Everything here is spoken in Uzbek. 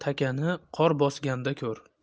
takani qor bosganda ko'r